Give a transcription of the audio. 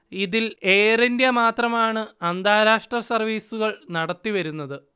ഇതിൽ എയർ ഇന്ത്യ മാത്രമാണ് അന്താരാഷ്ട്ര സർവീസുകൾ നടത്തി വരുന്നത്